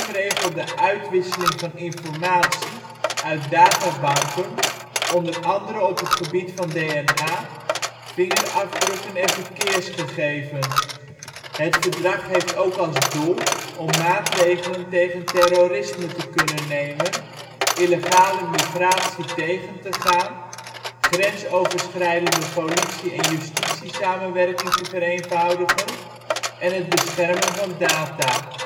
regelt de uitwisseling van informatie uit databanken onder andere op het gebied van DNA, vingerafdrukken en verkeersgegevens. Het verdrag heeft ook als doel om maatregelen tegen terrorisme te kunnen nemen, illegale migratie tegen te gaan, grensoverschrijdende politie - en justitiesamenwerking te vereenvoudigen en het beschermen van data